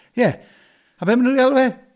Ie, a be maen nhw'n ei alw fe?